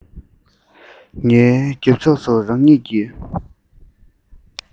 ངའི རྒྱབ ཕྱོགས སུ རང ཉིད ཀྱི